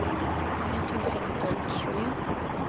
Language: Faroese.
kann eg tosa við deild trý